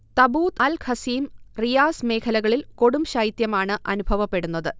Tabuk, Al Qassim, Riyadh മേഖലകളിൽ കൊടുംശൈത്യമാണ് അനുഭവപ്പെടുന്നത്